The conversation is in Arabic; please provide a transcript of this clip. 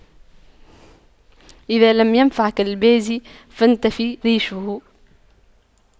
إذا لم ينفعك البازي فانتف ريشه